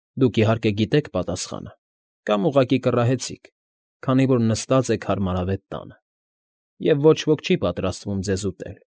Դուք, իհարկե, գիետք պատասխանը կամ ուղղակի կռահեցիք, քանի որ նստած եք հարմարավետ տանը, և ոչ ոք չի պատրաստվում ձեզ ուտել։